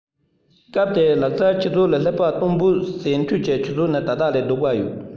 སྐབས དེའི ལག རྩལ ཆུ ཚད ལ བསླེབས པ གཏོང འབུད བྱས འཐུས ཀྱི ཆུ ཚད ནི ད ལྟ ལས སྡུག པ ཡོད